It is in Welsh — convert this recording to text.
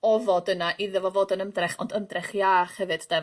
ofod yna iddo fo fod yn ymdrech ond ymdrech iach hefyd 'de?